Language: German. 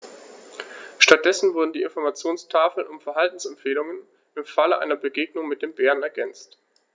Stattdessen wurden die Informationstafeln um Verhaltensempfehlungen im Falle einer Begegnung mit dem Bären ergänzt.